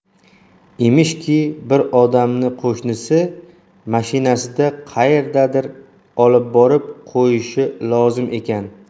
emishki bir odamni qo'shnisi mashinasida qaergadir olib borib qo'yishi lozim ekan